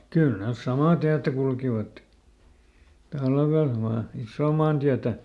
kyllä ne samaa tietä kulkivat talvella vain isoa maantietä